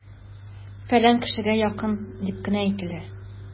"фәлән кешегә якын" дип кенә әйтелә!